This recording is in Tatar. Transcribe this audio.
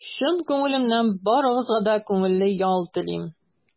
Чын күңелемнән барыгызга да күңелле ял телим!